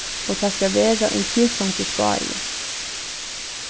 og tað skal vera ein tiltrongdur skái